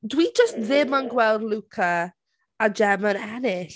Dwi jyst ddim yn gweld Luca a Gemma yn ennill.